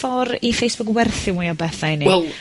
...ffor i Facebook werthu mwy o bethe i ni?